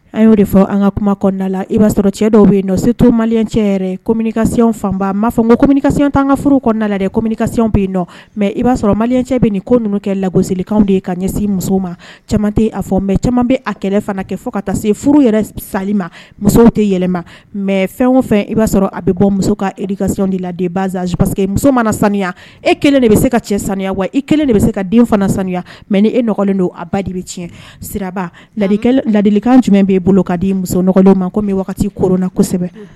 An y'o de fɔ an ka kuma kɔnɔnada la i b'a sɔrɔ cɛ dɔw bɛ yen nɔ se to malicɛ yɛrɛ kokasiy fanba m'a fɔ kokasiy tan ka furu kɔnɔna la dɛ kokasiy bɛ yen mɛ i b'a sɔrɔ malicɛ bɛ nin ko ninnu kɛ lagosilikan de ye ka ɲɛsin muso ma caman tɛ aa fɔ mɛ caman bɛ a kɛlɛ fana kɛ fɔ ka taa se furu yɛrɛ sali ma musow tɛ yɛlɛma mɛ fɛn o fɛn i b'a sɔrɔ a bɛ bɔ muso ka ekasiy de ladenz paseke que muso manaya e kelen de bɛ se ka cɛ saniya wa i kelen de bɛ se ka den fana saniya mɛ ni ekɔlen don a ba de bɛ tiɲɛ siraba ladilikan jumɛn bɛ' bolo ka di musow ma ko wagati kona kosɛbɛ